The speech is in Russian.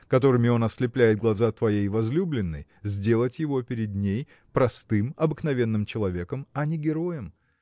которыми он ослепляет глаза твоей возлюбленной сделать его перед ней простым обыкновенным человеком а не героем.